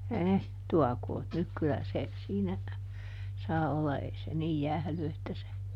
- tuokoot nyt kyllä se siinä saa olla ei se niin jäähdy että se